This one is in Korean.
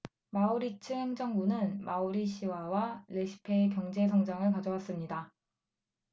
마우리츠 행정부는 마우리시아와 레시페에 경제 성장을 가져왔습니다